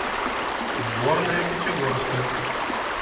сборная пятигорска